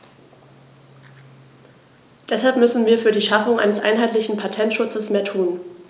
Deshalb müssen wir für die Schaffung eines einheitlichen Patentschutzes mehr tun.